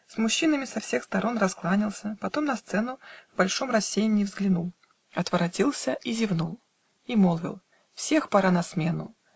С мужчинами со всех сторон Раскланялся, потом на сцену В большом рассеянье взглянул, Отворотился - и зевнул, И молвил: "Всех пора на смену